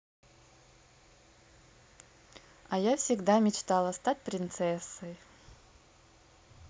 а я всегда мечтала стать принцессой